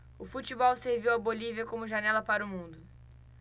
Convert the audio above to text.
o futebol serviu à bolívia como janela para o mundo